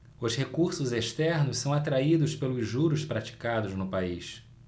os recursos externos são atraídos pelos juros praticados no país